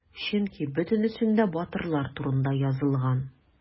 Чөнки бөтенесендә батырлар турында язылган.